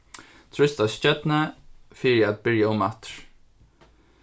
trýst á stjørnu fyri at byrja umaftur